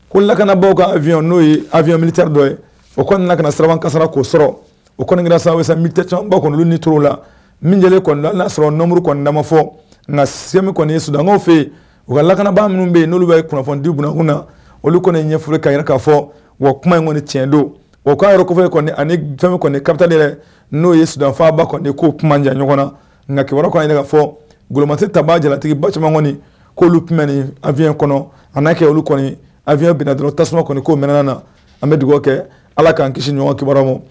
Ko lakanabagaw ka vyyan n'o ye a vyye minitari dɔ ye o kɔni na ka sarakarama kara k'o sɔrɔ o kɔni kɛra sansacba kɔniolu ni t la min y'asɔrɔ nmuru kɔnɔna namafɔ nka seme kɔni sukaw fɛ yen u ka lakanabaa minnu bɛ yen n'olu bɛ ye kunnafonidiunkun na olu kɔni ɲɛ ɲɛfɔ ka yɛrɛ k kaa fɔ wa kuma in kɔni cɛn don o k'a yɛrɛfie kɔni ani fɛn kɔni karatata ne yɛrɛ n'o ye sufaba kɔni ko kuma jan ɲɔgɔn na nka kiba kan a yɛrɛ ka fɔ gololɔmasi taba jalatigiba caman kɔni k'olu tun ni afiyyɛn kɔnɔ a n'a kɛ olu kɔni a vyɛn bɛna dɔrɔn tasuma kɔni ko mɛnɛna na an bɛ dugawu kɛ ala k'an kisiɲɔgɔn kiba ma